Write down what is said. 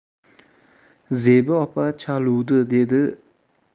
zebi opa chaluvdi